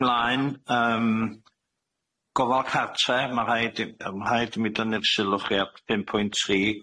Blaen yym gofal cartre ma' rhaid i yy ma' rhaid i mi dynnu'r sylw chi ar pum pwynt tri,